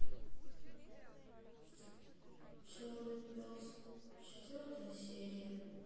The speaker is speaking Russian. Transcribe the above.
черный пес четвертая серия